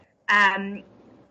yym